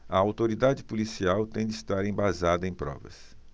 a autoridade policial tem de estar embasada em provas